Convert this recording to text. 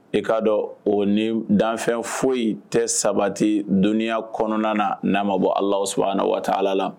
E k'a dɔn o ni danfɛn foyi tɛ sabati dɔnniya kɔnɔna na n'a ma bɔ alas a na waati ala la